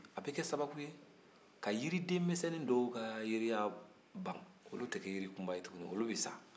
a bɛ kɛ sababu ye ka yiriden misɛnnin dɔw ka jiriya ban olu tɛ kɛ yiri kunba ye tugu olu bɛ sa